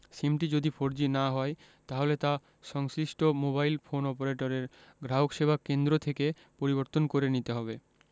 সিমটি যদি ফোরজি না হয় তাহলে তা সংশ্লিষ্ট মোবাইল ফোন অপারেটরের গ্রাহকসেবা কেন্দ্র থেকে পরিবর্তন করে নিতে হবে